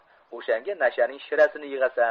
o'shanga nashaning shirasini yig'asan